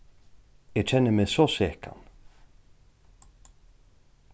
eg kenni meg so sekan